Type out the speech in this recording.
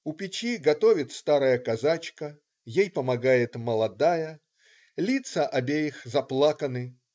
У печи готовит старая казачка, ей помогает молодая. Лицо обеих заплаканы.